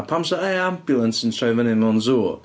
A pam 'sa air ambulance yn troi fyny mewn y sŵ?